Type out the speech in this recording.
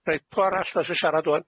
Reit, pw' arall o'dd isio siarad ŵan?